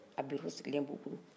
a biro sigilen bɛ u bolo